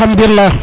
alkhadoulila